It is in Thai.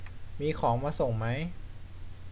มีของมาส่งไหม